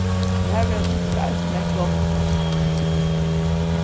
og har verða sikkurt eisini nógv gomul fólk